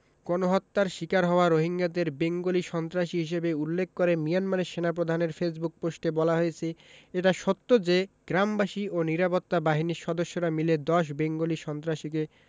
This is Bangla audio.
হওয়া রোহিঙ্গাদের বেঙ্গলি সন্ত্রাসী হিসেবে উল্লেখ করে মিয়ানমারের সেনাপধানের ফেসবুক পোস্টে বলা হয়েছে এটা সত্য যে গ্রামবাসী ও নিরাপত্তা বাহিনীর সদস্যরা মিলে ১০ বেঙ্গলি সন্ত্রাসীকে